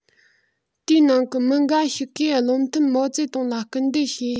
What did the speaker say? དེའི ནང གི མི འགའ ཞིག གིས བློ མཐུན མའོ ཙེ ཏུང ལ སྐུར འདེབས བྱས